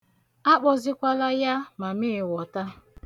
Akpọzikwala ya mamịịwọta.